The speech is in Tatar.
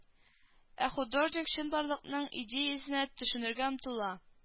Ә художник чынбарлыкның идеясенә төшенергә омтыла